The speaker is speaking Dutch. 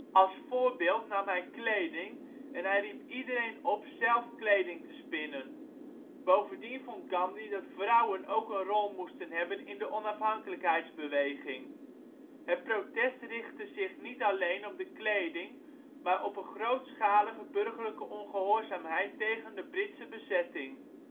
Als voorbeeld nam hij kleding en hij riep iedereen op zelf kleding te spinnen. Bovendien vond Gandhi dat vrouwen ook een rol moesten hebben in de onafhankelijkheidsbeweging. Het protest richtte zich niet alleen op de kleding maar op een grootschalige burgerlijke ongehoorzaamheid tegen de Britse bezetting